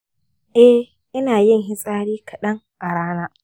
eh, ina yin fitsari kaɗan a rana